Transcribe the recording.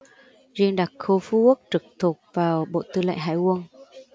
riêng đặc khu phú quốc trực thuộc vào bộ tư lệnh hải quân